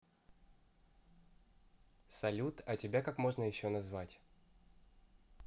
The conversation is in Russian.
салют а тебя как можно еще назвать